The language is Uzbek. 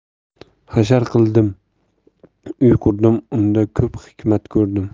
hashar qildim uy qurdim unda ko'p hikmat ko'rdim